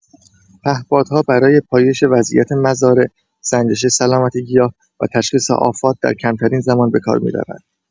پهپادها برای پایش وضعیت مزارع، سنجش سلامت گیاه و تشخیص آفات در کمترین زمان به کار می‌روند.